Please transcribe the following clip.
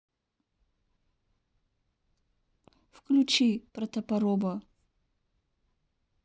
включи про тапороба